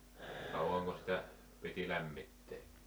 kauanko sitä piti lämmittää